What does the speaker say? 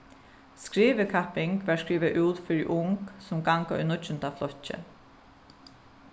skrivikapping varð skrivað út fyri ung sum ganga í níggjunda flokki